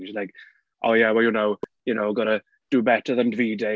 She's like "oh yeah well you know you know gotta do better than Davide".